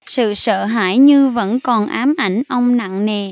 sự sợ hãi như vẫn còn ám ảnh ông nặng nề